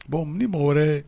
Bon ni mɔgɔ wɛrɛ